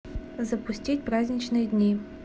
запустить праздничные дни